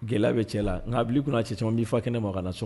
Gɛlɛya bɛ cɛ la nka wuli kun a cɛ caman n'i fɔ kɛnɛ ma ka na so